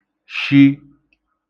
sh